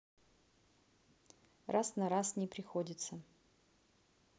раз на раз не приходится